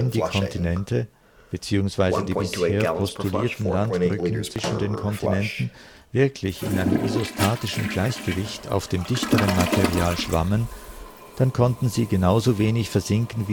die Kontinente (bzw. die bisher postulierten Landbrücken zwischen den Kontinenten) wirklich in einem isostatischen Gleichgewicht auf dem dichteren Material schwammen, dann konnten sie genau so wenig versinken